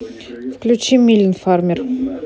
включи милен фармер